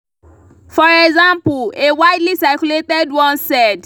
For example, a widely circulated one said: